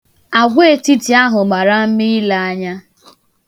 Agwaetiti ahụ mara mma ile anya.